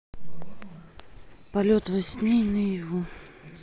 полет во сне и наяву